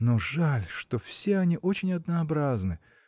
но жаль, что все они очень однообразны.